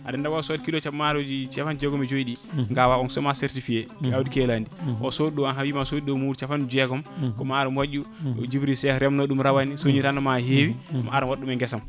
aɗa andi a wawa sodde kilos maaroji capanɗe jeegom e jooyi ɗi gawa on semence certifié awdi keeladi o soodaɗo ahan o wiima o soodi ɗo muudo capanɗe jeegom ko maaro moƴƴo Djibril Cheikh remno ɗum rawane sooñi rendement ha heewi mi ara mi waɗa ɗum e guesam